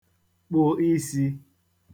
kpụ isī